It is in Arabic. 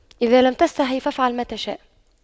اذا لم تستحي فأفعل ما تشاء